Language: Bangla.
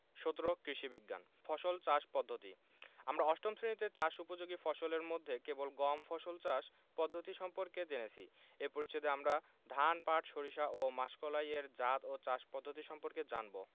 ১৭ কৃষি বিজ্ঞান ফসল চাষ পদ্ধতি আমরা অষ্টম শ্রেণিতে চাষ উপযোগী ফসলের মধ্যে কেবল গম ফসল চাষ পদ্ধতি সম্পর্কে জেনেছি এ পরিচ্ছেদে আমরা ধান পাট সরিষা ও মাসকলাই এর জাত ও চাষ পদ্ধতি সম্পর্কে জানব